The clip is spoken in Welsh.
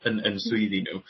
yn yn swyddi n'w